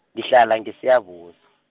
ngihlala ngeSiyabuswa .